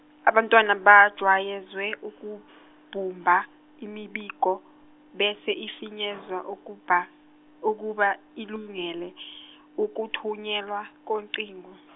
abantwana mabajwayezwe ukubumba, imibiko, bese ifinyezwa ukuba, ukuba ilungele , ukuthunyelwa ngocingo.